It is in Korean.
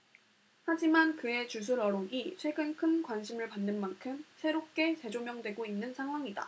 하지만 그의 주술 어록이 최근 큰 관심을 받는 만큼 새롭게 재조명되고 있는 상황이다